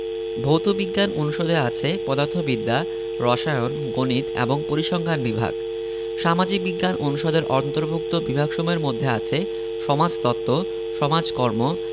ভৌত বিজ্ঞান অনুষদে আছে পদার্থবিদ্যা রসায়ন গণিত এবং পরিসংখ্যান বিভাগ সামাজিক বিজ্ঞান অনুষদের অন্তর্ভুক্ত বিভাগসমূহের মধ্যে আছে সমাজতত্ত্ব সমাজকর্ম